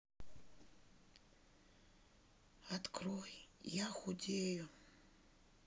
открой я худею